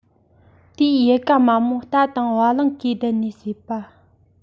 དེའི ཡལ ག དམའ མོ རྟ དང བ གླང གིས ལྡད ནས ཟོས པས